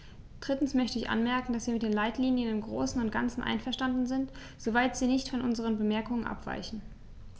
Drittens möchte ich anmerken, dass wir mit den Leitlinien im großen und ganzen einverstanden sind, soweit sie nicht von unseren Bemerkungen abweichen.